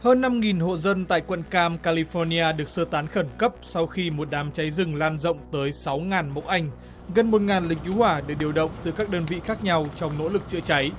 hơn năm nghìn hộ dân tại quận cam ca li pho ni a được sơ tán khẩn cấp sau khi một đám cháy rừng lan rộng tới sáu ngàn mẫu anh gần một ngàn lính cứu hỏa được điều động từ các đơn vị khác nhau trong nỗ lực chữa cháy